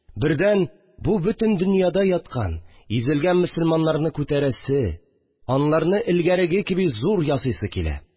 Бердән бу бөтен дөньяда яткан, изелгән мөселманнарны күтәрәсе, аларны элгәреге кеби зур ясыйсы килә